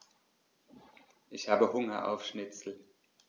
Ich habe Hunger auf Schnitzel.